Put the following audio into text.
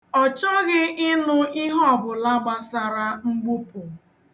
Ọ chọghị ịnụ ihe ọbụla gbasara mgbupụ.